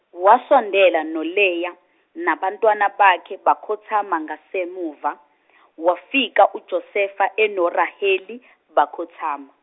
wasondela noLeya nabantwana bakhe bakhothama ngasemuva , wafika uJosefa enoRaheli bakhothama.